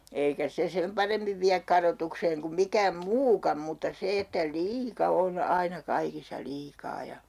eikä se sen paremmin vie kadotukseen kuin mikään muukaan mutta se että liika on aina kaikissa liikaa ja